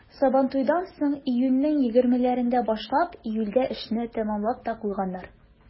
Сабантуйдан соң, июньнең егермеләрендә башлап, июльдә эшне тәмамлап та куйганнар.